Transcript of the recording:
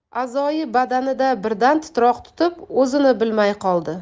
a'zoi badanida birdan titroq turib o'zini bilmay qoldi